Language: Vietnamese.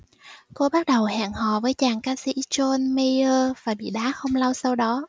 cô bắt đầu hẹn hò với chàng ca sĩ john mayer và bị bị đá không lâu sau đó